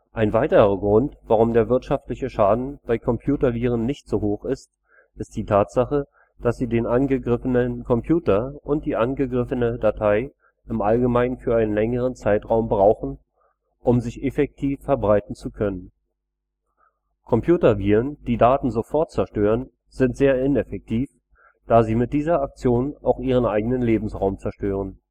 Ein weiterer Grund, warum der wirtschaftliche Schaden bei Computerviren nicht so hoch ist, ist die Tatsache, dass sie den angegriffenen Computer oder die angegriffene Datei im Allgemeinen für einen längeren Zeitraum brauchen, um sich effektiv verbreiten zu können. Computerviren, die Daten sofort zerstören, sind sehr ineffektiv, da sie mit dieser Aktion auch ihren eigenen Lebensraum zerstören